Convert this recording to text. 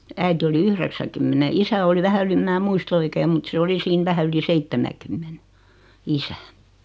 äiti oli yhdeksänkymmenen isä oli vähän yli en minä muista oikein mutta se oli siinä vähän yli seitsemänkymmenen isä